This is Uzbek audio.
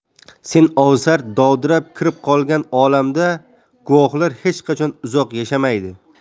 sen ovsar dovdirab kirib qolgan olamda guvohlar hech qachon uzoq yashamaydi